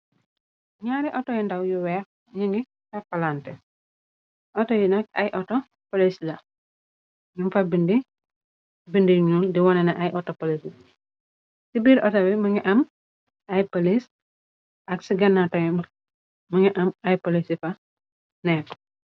Naari auto yu ndaw yu weex ñungi topalante auto yi nak ay ato police la nyun fa binda binda yu ñuul di wone nex ay auto police ci biir auto bi mongi am ay police ak ci ganaw tamit mongi am ay police yu fa neka.